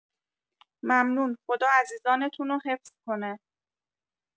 ممنون خدا عزیزانتونو حفظ کنه